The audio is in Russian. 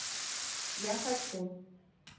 я хочу